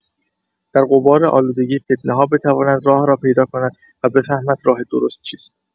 در غبارآلودگی فتنه‌ها بتواند راه را پیدا کند و بفهمد راه درست چیست؛